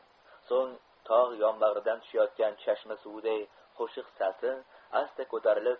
so'ng tog' yonbag'ridan tushayotgan chashma suviday qo'shiq sasi asta ko'tarilib